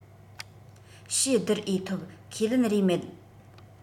ཕྱིས བསྡུར འོས ཐོབ ཁས ལེན རེ མེད